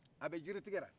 a bɛ jiritigɛ la